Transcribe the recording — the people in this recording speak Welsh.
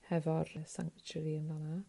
hefo'r sanctuary yn fan'a